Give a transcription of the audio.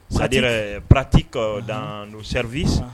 Sa de parati ka dan sɛriruri